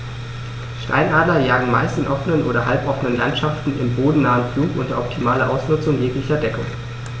Steinadler jagen meist in offenen oder halboffenen Landschaften im bodennahen Flug unter optimaler Ausnutzung jeglicher Deckung.